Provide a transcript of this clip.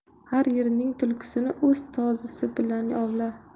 har yerning tulkisini o'z tozisi bilan ovla